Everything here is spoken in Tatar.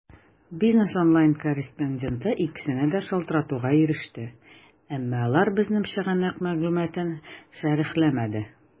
"бизнес online" корреспонденты икесенә дә шалтыратуга иреште, әмма алар безнең чыганак мәгълүматын шәрехләмәде.